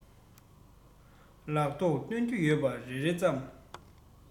ལག ཐོག སྟོན རྒྱུ ཡོད པ རེ རེ ཙམ